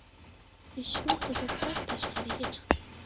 eshikni qulflab tashqariga chiqdi